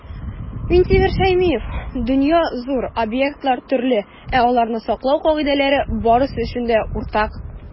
Минтимер Шәймиев: "Дөнья - зур, объектлар - төрле, ә аларны саклау кагыйдәләре - барысы өчен дә уртак".